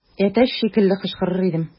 Әтәч шикелле кычкырыр идем.